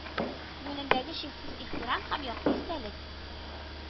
Күңелендәге чиксез ихтирам һәм якты истәлек